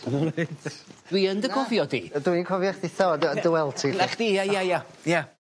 Dwi yn dy gofio di. A dwi'n cofio chditha o d- o dy weld ti 'te? 'Na chdi ia ia ia. la.